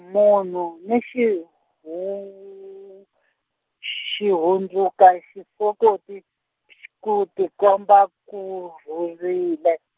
munhu ni xi huu-, xi hundzuka risokoti , ku tikomba ku rhurile.